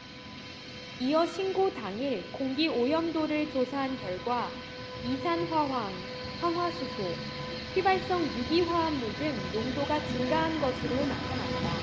이어 신고 당일 공기오염도를 조사한 결과 이산화황 황화수소 휘발성유기화합물 등 농도가 증가한 것으로 나타났다